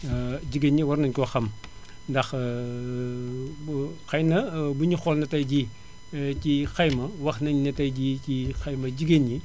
jigéen ñi war nañ koo xam ndax xëy na buñuy xool ndax tey jii ci xayma wax nañu ne tey jii ci xayma jigéen ñi